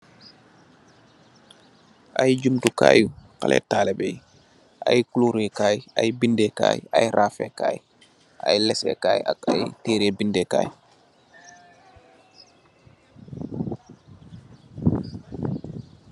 Ay jumtukai xalèh talibeh yi, ay kulureh, ay bindeh, ay raffeh Kai, ay lesseh kai ak ay tèèreh bindè Kai.